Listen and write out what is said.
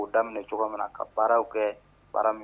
' daminɛ cogo min na ka baaraw kɛ baara minɛ